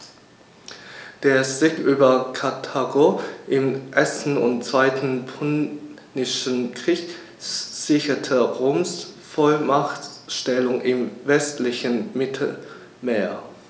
Der Sieg über Karthago im 1. und 2. Punischen Krieg sicherte Roms Vormachtstellung im westlichen Mittelmeer.